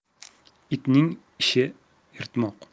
itning ishi yirtmoq